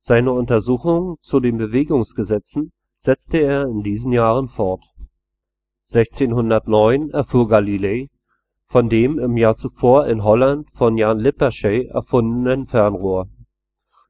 Seine Untersuchungen zu den Bewegungsgesetzen setzte er in diesen Jahren fort. Aufzeichnungen zu Galileis Entdeckung der Jupitermonde (1610) 1609 erfuhr Galilei von dem im Jahr zuvor in Holland von Jan Lippershey erfundenen Fernrohr.